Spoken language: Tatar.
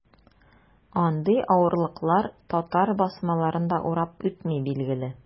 Андый авырлыклар татар басмаларын да урап үтми, билгеле.